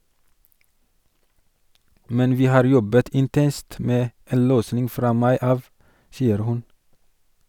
Men vi har jobbet intenst med en løsning fra mai av, sier hun.